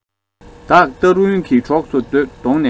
བདག ཏར ཝུན གྱི གྲོགས སུ བསྡོངས ནས